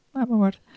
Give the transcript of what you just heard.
Na mae'n werth.